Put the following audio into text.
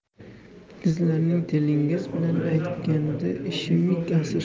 sizlarning tilingiz bilan aytganda ishemik asr